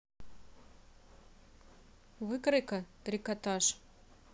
выкройка трикотаж